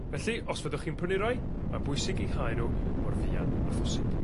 Felly os fyddwch chi'n prynu rai mae'n bwysig i hau n'w mor fuan â phosib.